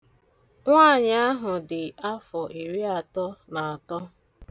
Nwaanyị ahụ dị afọ iriatọ na atọ.